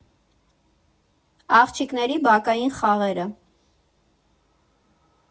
Աղջիկների բակային խաղերը։